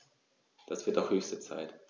Das wird auch höchste Zeit!